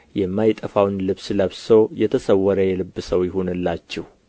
የማይጠፋውን ልብስ ለብሶ የተሰወረ የልብ ሰው ይሁንላችሁ